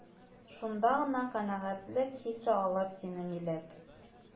Шунда гына канәгатьлек хисе алыр сине биләп.